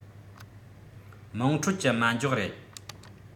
དམངས ཁྲོད ཀྱི མ འཇོག རེད